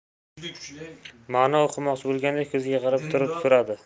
ma'no uqmoqchi bolganday ko'ziga qarab turib so'radi